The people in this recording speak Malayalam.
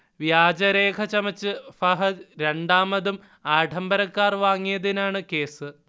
വ്യാജരേഖ ചമച്ച് ഫഹദ് രണ്ടാമതും ആഡംബര കാർ വാങ്ങിയതിനാണ് കേസ്